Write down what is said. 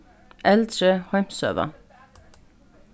eldri heimssøga